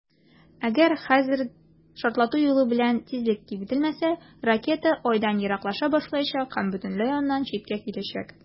Әгәр дә хәзер шартлату юлы белән тизлек киметелмәсә, ракета Айдан ераклаша башлаячак һәм бөтенләй аннан читкә китәчәк.